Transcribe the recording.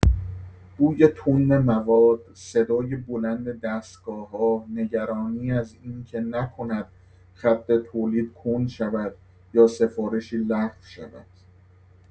بوی تند مواد، صدای بلند دستگاه‌ها، نگرانی از این که نکند خط تولید کند شود یا سفارشی لغو شود.